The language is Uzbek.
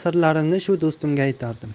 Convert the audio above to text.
sirlarimni shu do'stimga aytardim